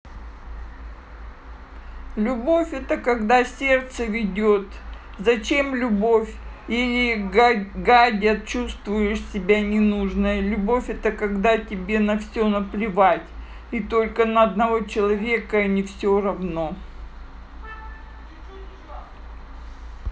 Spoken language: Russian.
любовь это когда сердце ведет зачем любовь или гадят чувствуешь себя нужной любовь это когда тебе на все наплевать и только на одного человека не все равно